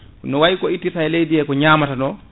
no way ko ittirta e leydi he ko ñamata ɗo